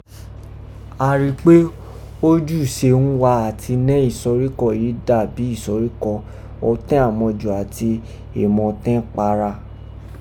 A rí i pé ó jú ù se ghún wa ati nẹ́ ìsoríghokọ́ yìí dà bí ìsoríghokọ́, ọtẹ́n àmọjù àti ìmọtẹ́npara.